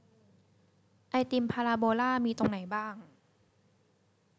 ไอติมพาราโบลามีตรงไหนบ้าง